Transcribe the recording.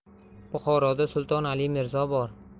buxoroda sulton ali mirzo bor